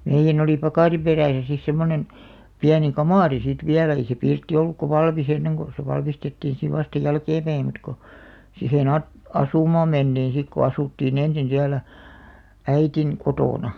meidän oli pakarin perässä sitten semmoinen pieni kamari sitten vielä ei se pirtti ollutkaan valmis ennen kun se valmistettiin sitten vasta jälkeenpäin mutta kun siihen - asumaan mentiin sitten kun asuttiin ensin siellä äidin kotona